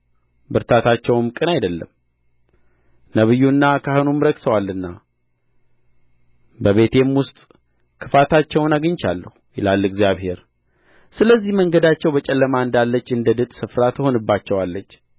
ብርታታቸውም ቅን አይደለም ነቢዩና ካህኑም ረክሰዋልና በቤቴም ውስጥ ክፋታቸውን አግኝቻለሁ ይላል እግዚአብሔር ስለዚህ መንገዳቸው በጨለማ እንዳለች እንደ ድጥ ስፍራ ትሆንባቸዋለች